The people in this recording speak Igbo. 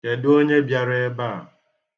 Kedụ onye bịara ebe a?